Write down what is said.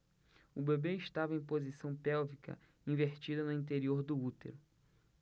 o bebê estava em posição pélvica invertida no interior do útero